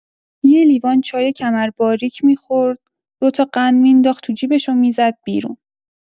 یه لیوان چای کمر باریک می‌خورد، دوتا قند می‌نداخت تو جیبش و می‌زد بیرون.